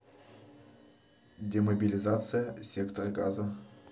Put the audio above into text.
демобилизация сектор газа